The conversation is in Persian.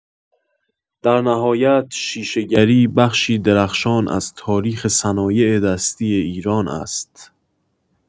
در نهایت شیشه‌گری بخشی درخشان از تاریخ صنایع‌دستی ایران است.